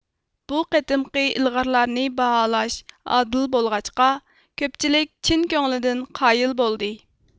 بۇ قېتىمقى ئىلغارلارنى باھالاش ئادىل بولغاچقا كۆپچىلىك چىن كۆڭلىدىن قايىل بولدى